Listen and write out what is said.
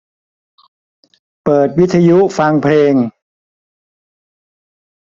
เปิดวิทยุฟังเพลง